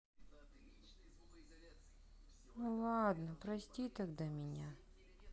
ну ладно прости тогда меня